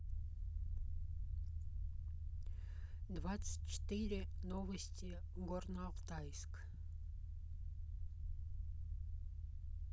двадцать четыре новости горноалтайск